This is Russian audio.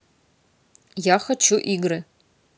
я хочу игры